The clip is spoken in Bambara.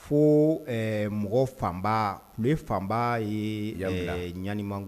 Fo ɛɛ mɔgɔw fan ba . Kule fanba ye ɛɛ yan bila ɲaniman